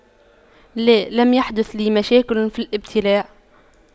لا لم يحدث لي مشاكل في الابتلاع